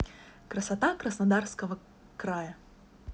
красота краснодарского края